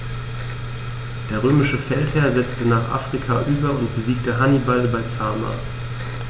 Der römische Feldherr setzte nach Afrika über und besiegte Hannibal bei Zama.